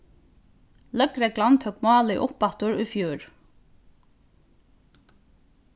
løgreglan tók málið uppaftur í fjør